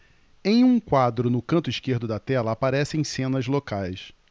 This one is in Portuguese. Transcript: em um quadro no canto esquerdo da tela aparecem cenas locais